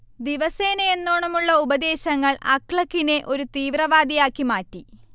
ദിവസേനയെന്നോണമുള്ള ഉപദേശങ്ങൾ അഖ്ലഖിനെ ഒരു തീവ്രവാദിയാക്കി മാറ്റി